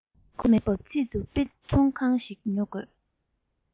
མེ འཁོར འབབ ཚིགས སུ དཔེ ཚོང ཁང ཞིག ཉོ དགོས